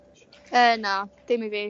Yy na dim i fi.